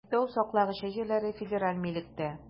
Биектау саклагычы җирләре федераль милектә.